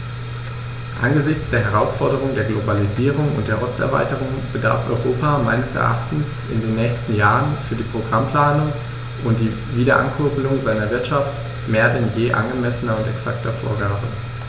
Angesichts der Herausforderung der Globalisierung und der Osterweiterung bedarf Europa meines Erachtens in den nächsten Jahren für die Programmplanung und die Wiederankurbelung seiner Wirtschaft mehr denn je angemessener und exakter Vorgaben.